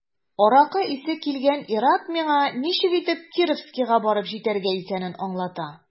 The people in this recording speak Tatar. Аракы исе килгән ир-ат миңа ничек итеп Кировскига барып җитәргә икәнен аңлата.